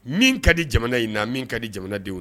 Min ka di jamana in na a min ka di jamanadenw